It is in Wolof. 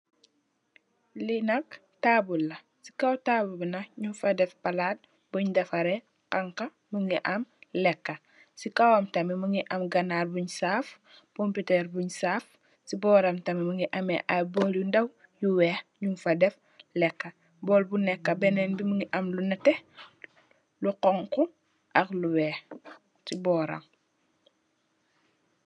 Li nak tabul la sey kaw tabul bi nak nyungfa deff palat bunj defareh hangha Mungi am leka, sey kawaw tamit Mungi am ganarr bunj saaf ,pompiterr bunj saaf sey boram tamit Mungi ameh i ball nyu ndaw yu weih nyungfa deff leka ball buneka benen bi Mungi am lu neteh, lu hunhu ak lu weih sey boram.